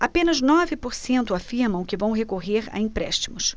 apenas nove por cento afirmam que vão recorrer a empréstimos